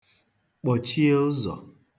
Kpọchie ụzọ!